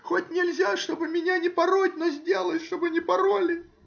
хоть нельзя, чтобы меня не пороть, но сделай, чтобы не пороли!